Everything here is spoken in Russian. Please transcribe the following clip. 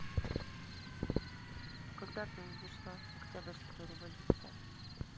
когда произошла октябрьская революция